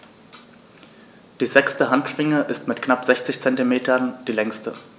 Die sechste Handschwinge ist mit knapp 60 cm die längste.